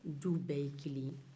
duw bɛɛ ye kelen ye